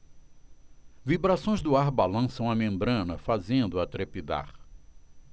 vibrações do ar balançam a membrana fazendo-a trepidar